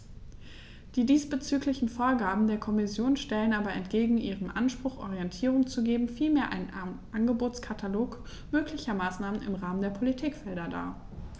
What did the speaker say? Die diesbezüglichen Vorgaben der Kommission stellen aber entgegen ihrem Anspruch, Orientierung zu geben, vielmehr einen Angebotskatalog möglicher Maßnahmen im Rahmen der Politikfelder dar.